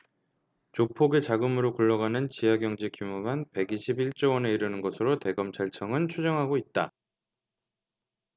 조폭의 자금으로 굴러가는 지하경제 규모만 백 이십 일 조원에 이르는 것으로 대검찰청은 추정하고 있다